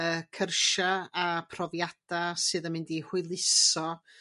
y cyrsia' a profiada' sydd yn mynd i hwyluso